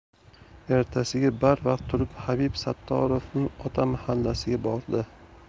ertasiga barvaqt turib habib sattorovning ota mahallasiga bordi